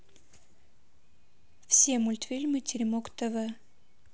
все мультфильмы теремок тв